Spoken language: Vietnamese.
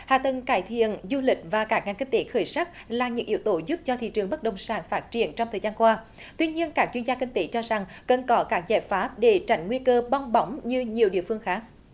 hạ tầng cải thiện du lịch và các ngành kinh tế khởi sắc là những yếu tố giúp cho thị trường bất động sản phát triển trong thời gian qua tuy nhiên các chuyên gia kinh tế cho rằng cần có các giải pháp để tránh nguy cơ bong bóng như nhiều địa phương khác